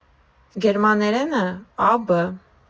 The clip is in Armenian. Գերմաներենը ֊ Ա. Բ.